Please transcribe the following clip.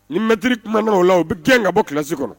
Ni mɛttiriri tuma' o la u bɛ gɛn ka bɔ ki kɔrɔ